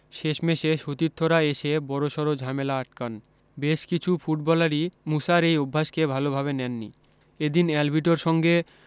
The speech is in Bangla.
শেষমেশে সতীর্থরা এসে বড়সড় ঝামেলা আটকান বেশ কিছু ফুটবলারই মুসার এই অভ্যাসকে ভালোভাবে নেননি এদিন অ্যালভিটোর সঙ্গে